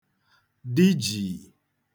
di jìì